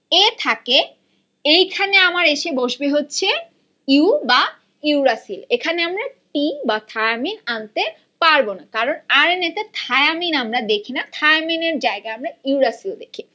এ থাকে এইখানে আমার এসে বসবে হচ্ছে ইউ বা ইউরাসিন এখানে আমরা টি বা থায়ামিন আনতে পারব না কারন আর এন এ তে থায়ামিন আমরা দেখি না থায়ামিনের জায়গায় আমরা ইউরাসিন দেখি